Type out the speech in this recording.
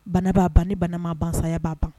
Banabaa ban ni banama bansaya b'a ban